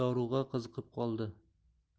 dorug'a qiziqib qoldi